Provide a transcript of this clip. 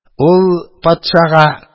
Ул патшага